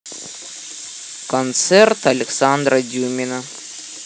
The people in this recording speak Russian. концерт александра дюмина